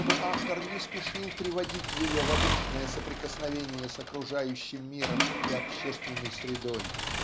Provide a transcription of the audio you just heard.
чтобы автор не спешил приводить ее в обычное соприкосновение с окружающим миром и общественной средой.